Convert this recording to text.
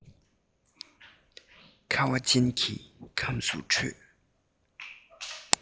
ཁ བ ཅན གྱི ཁམས སུ འཕྲོས